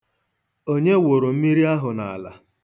Onye wụrụ mmiri ahụ n'ala?